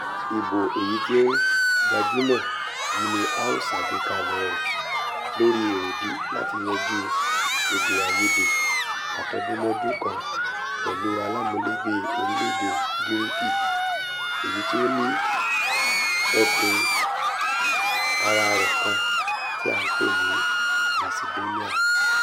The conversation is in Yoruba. Ìbò èyítí ó gbajumọ yíì ni a ṣagbekalẹ rẹ nitori èrèdí láti yanjú èdè-àìyedè atọdunmọdun kan pẹlu aláàmúlégbè orílẹ̀-èdè Gíríkì, èyití ó ni ẹkùn ara rẹ kan tí a ńpè ní Masidóníà.